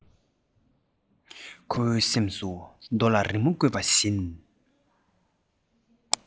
ཁོ བོའི སེམས སུ རྡོ ལ རི མོ བརྐོས པ བཞིན